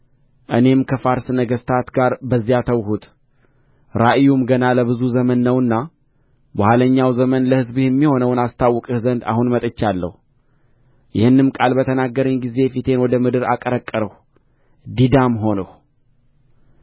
እኔም ከፋርስ ነገሥታት ጋር በዚያ ተውሁት ራእዩም ገና ለብዙ ዘመን ነውና በኋለኛው ዘመን ለሕዝብህ የሚሆነውን አስታውቅህ ዘንድ አሁን መጥቻለሁ ይህንም ቃል በተናገረኝ ጊዜ ፊቴን ወደ ምድር አቀረቀርሁ ዲዳም ሆንሁ